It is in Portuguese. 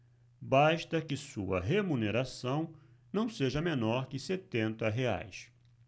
basta que sua remuneração não seja menor que setenta reais